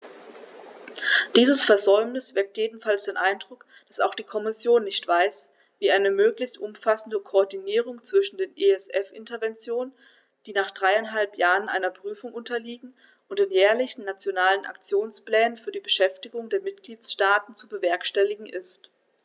Dieses Versäumnis weckt jedenfalls den Eindruck, dass auch die Kommission nicht weiß, wie eine möglichst umfassende Koordinierung zwischen den ESF-Interventionen, die nach dreieinhalb Jahren einer Prüfung unterliegen, und den jährlichen Nationalen Aktionsplänen für die Beschäftigung der Mitgliedstaaten zu bewerkstelligen ist.